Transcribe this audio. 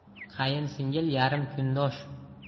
qaynsingil yarim kundosh